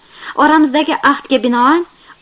oramizdagi ahdga binoan